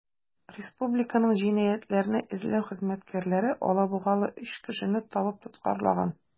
Республиканың җинаятьләрне эзләү хезмәткәрләре алабугалы 3 кешене табып тоткарлаган.